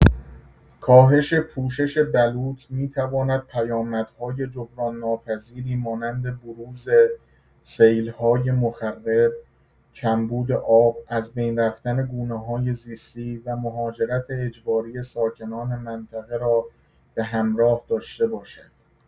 کاهش پوشش بلوط می‌تواند پیامدهای جبران‌ناپذیری مانند بروز سیل‌های مخرب، کمبود آب، از بین رفتن گونه‌های زیستی و مهاجرت اجباری ساکنان منطقه را به همراه داشته باشد.